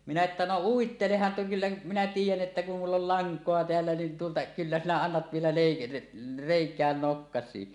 minä että no uittelehan että kyllä minä tiedän että kun minulla oli lankaa täällä niin tuota kyllä sinä annat vielä - reikään nokkasikin